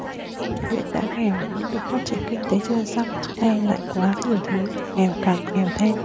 huyện đã nghèo nỗ lực phát triển kinh tế chưa xong nay lại quá nhiều thứ nghèo càng nghèo thêm